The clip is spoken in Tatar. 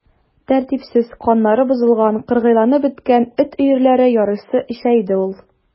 Тәртипсез, каннары бозылган, кыргыйланып беткән эт өерләре ярыйсы ишәйде шул.